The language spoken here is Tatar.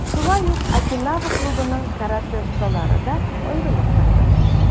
Шулай ук, "Окинава" клубының каратэ осталары да аерылып торды.